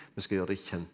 vi skal gjøre det kjent.